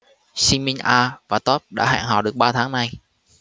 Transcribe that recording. shin min ah và top đã hẹn hò được ba tháng nay